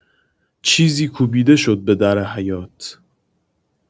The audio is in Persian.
چیزی کوبیده شد به در حیاط